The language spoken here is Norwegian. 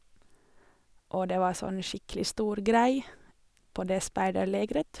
Og det var sånn skikkelig stor greie på det speiderlägret.